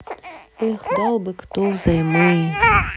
эх дал бы кто взаймы